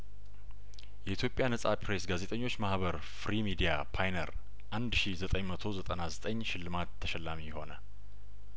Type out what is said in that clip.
የኢትዮጵያ ነጻ ፐሬ ስጋዜጠኞች ማህበር ፍሪ ሚዲያፓይነር አንድ ሺ ዘጠኝ መቶ ዘጠና ዘጠኝ ሽልማት ተሸላሚ ሆነ